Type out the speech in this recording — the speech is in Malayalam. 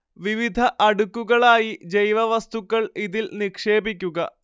വിവിധ അടുക്കുകളായി ജൈവവസ്തുക്കൾ ഇതിൽ നിക്ഷേപിക്കുക